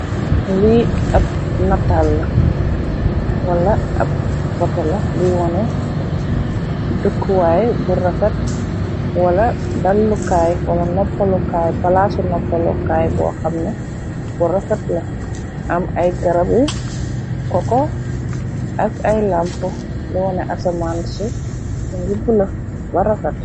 Ii ap netal la wala ap photo la bu wonex deku waay bu refet wala dalu kai wala nopalu kai palaci nopalu kai bu hamanex bu refet la am ay garabi coco ak ay lampa bu wonex acaman si mogi bulo ba refet.